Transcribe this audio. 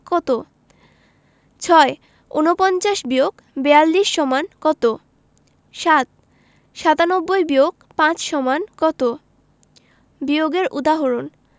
কত ৬ ৪৯-৪২ = কত ৭ ৯৭-৫ = কত বিয়োগের উদাহরণঃ